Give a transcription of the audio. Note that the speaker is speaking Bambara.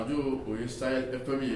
Arajo o ye sahel fm ye